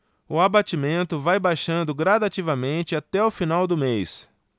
o abatimento vai baixando gradativamente até o final do mês